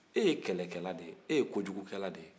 e ye kɛlɛkɛla de ye e ye kojugukɛlɛ de ye